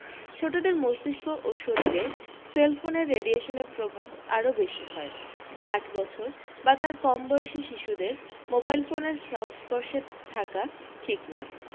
ছোটদের মস্তিষ্ক ও শরীরে সেলফোনের রেডিয়েশনের প্রভাব আরও বেশী হয় আট বছর বা তার কমবয়সি শিশুদের মোবাইল ফোনের সংস্পর্শে থাকা ঠিক নয়